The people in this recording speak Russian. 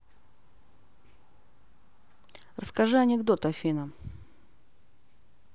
расскажи анекдот афина